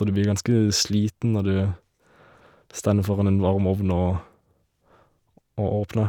Og du blir ganske sliten når du stende foran en varm ovn og og åpner.